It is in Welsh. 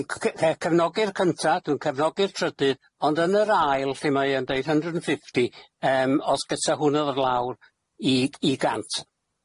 Dwi'n c- c- yy cefnogi'r cynta, dwi'n cefnogi'r trydydd, ond yn yr ail lle mae yn deud hundred and fifty yym os gyta hwnnw ddod lawr i i gant.